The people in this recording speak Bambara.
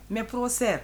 N mɛ pursen